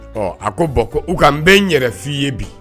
Ɔ a ko bɔn ko u ka n bɛ n yɛrɛ f' i ye bi